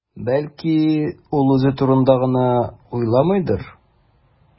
Бәлки, ул үзе турында гына уйламыйдыр?